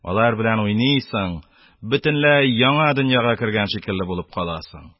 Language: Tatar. Алар белән уйныйсың, бөтенләй яңа дөньяга кергән шикелле булып каласың.